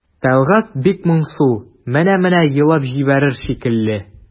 Тәлгать бик моңсу, менә-менә елап җибәрер шикелле.